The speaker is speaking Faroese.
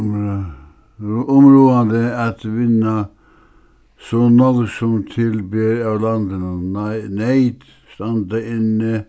umráðandi at vinna so nógv sum til ber av landinum neyt standa inni